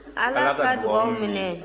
ala ka dugaw minɛ